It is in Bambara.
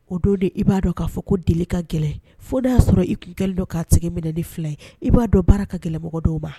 O don de i b'a dɔn k'a fɔ ko deli ka gɛlɛn, fo n'a y'a sɔrɔ i tun kɛlen don k'a tigi minɛ ni 2 ye. I b'a dɔn baara ka gɛlɛ mɔgɔ dɔw ma.